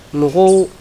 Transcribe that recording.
Mɔgɔw